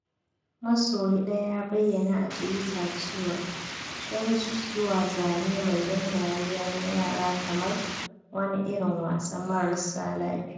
Masoyi daya ya bayyana a Twitter cewa canji zuwa zane mai ban dariya na yara kamar “wani irin wasan mararsa lafiya.’